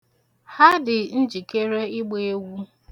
Ha dị njikere ịgba egwu.